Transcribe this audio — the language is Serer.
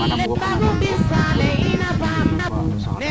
*